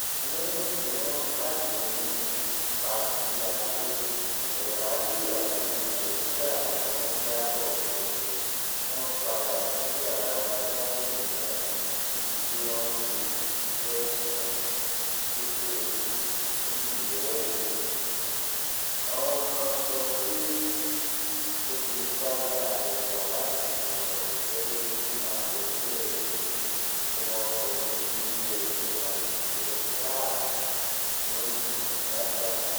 Lẹ́yìn tí wọ́n ti padé ní pátí alẹ́, Ronaldao àti Mayorga ní wọ́n jábọ̀ pé wọn padà sí yàrá agbábọ̀ọ̀lù náà., níbi tí wọn ti fé ẹ̀sùn tí kò tíì lẹ́rìí k[sn pé ó fi ìpa báá a lòpọ̀ láti fùrọ̀, gẹ́gẹ́bí àkọ̀sílẹ̀ ìwé tí wọ̀n kọ ní Ilé ẹjọ Agbègbe Clark ní́ Nevada.